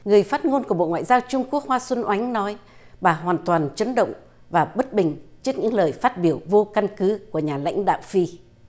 người phát ngôn của bộ ngoại giao trung quốc hoa xuân oánh nói bà hoàn toàn chấn động và bất bình trước những lời phát biểu vô căn cứ của nhà lãnh đạo phi